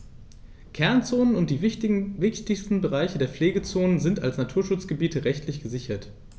Kernzonen und die wichtigsten Bereiche der Pflegezone sind als Naturschutzgebiete rechtlich gesichert.